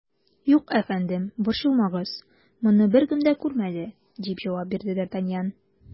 Юк, әфәндем, борчылмагыз, моны беркем дә күрмәде, - дип җавап бирде д ’ Артаньян.